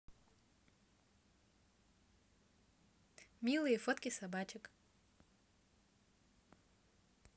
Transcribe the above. милые фотки собачек